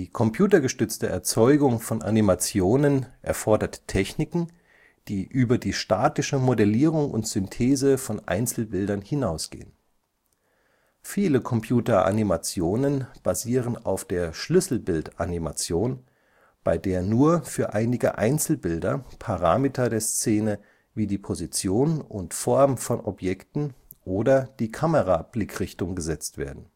computergestützte Erzeugung von Animationen erfordert Techniken, die über die statische Modellierung und Synthese von Einzelbildern hinausgehen. Viele Computeranimationen basieren auf der Schlüsselbildanimation, bei der nur für einige Einzelbilder Parameter der Szene wie die Position und Form von Objekten oder die Kamerablickrichtung gesetzt werden